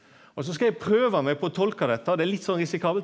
og så skal eg prøva meg på å tolke dette og det er litt sånn risikabelt.